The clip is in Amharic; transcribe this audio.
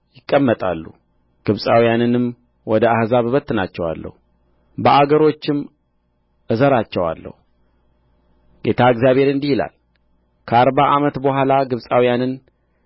ይቀመጣሉ ግብጻውያንንም ወደ አሕዛብ እበትናቸዋለሁ በአገሮችም እዘራቸዋለሁ ጌታ እግዚአብሔር እንዲህ ይላል ከአርባ ዓመት በኋላ ግብጻውያንን